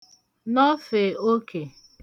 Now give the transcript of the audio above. nofè okè